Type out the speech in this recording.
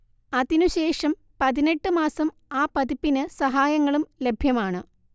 അതിനു ശേഷം പതിനെട്ട് മാസം ആ പതിപ്പിന് സഹായങ്ങളും ലഭ്യമാണ്